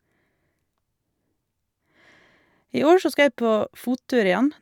I år så skal jeg på fottur igjen.